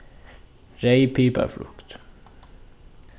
reyð piparfrukt